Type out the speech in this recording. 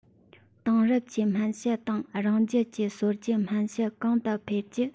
དེང རབས ཀྱི སྨན དཔྱད དང རང རྒྱལ གྱི སྲོལ རྒྱུན སྨན དཔྱད གོང དུ སྤེལ རྒྱུ